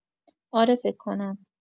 اره فک کنم